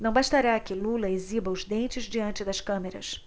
não bastará que lula exiba os dentes diante das câmeras